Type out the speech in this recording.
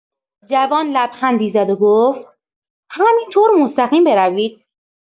جوان لبخندی زد و گفت: «همین‌طور مستقیم بروید.»